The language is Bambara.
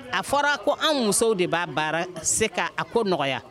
A fɔra ko an musow de b'a baara se ka a ko nɔgɔya